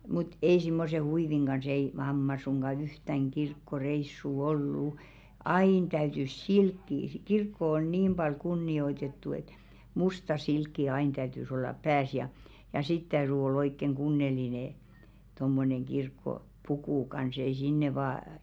mutta ei semmoisen huivin kanssa ei mamma suinkaan yhtään kirkkoreissua ollut aina täytyi silkkiä - kirkko on niin paljon kunnioitettu että musta silkki aina täytyi olla päässä ja ja sitten täytyi olla oikein kunnollinen tuommoinen kirkkopuku kanssa ei sinne vain